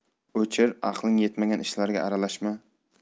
o'chir aqling yetmagan ishlarga aralashma